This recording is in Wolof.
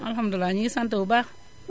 alxamdulilaa ñu ngi sant bu baax